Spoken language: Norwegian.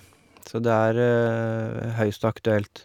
Så det er høyst aktuelt.